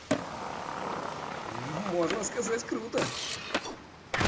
можно сказать круто